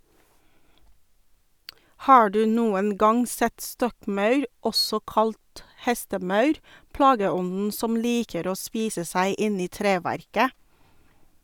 Har du noen gang sett stokkmaur, også kalt hestemaur, plageånden som liker å spise seg inn i treverket?